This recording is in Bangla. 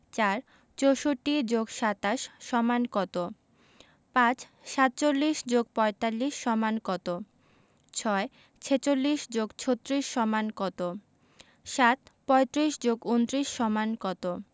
৪ ৬৪ + ২৭ = কত ৫ ৪৭ + ৪৫ = কত ৬ ৪৬ + ৩৬ = কত ৭ ৩৫ + ২৯ = কত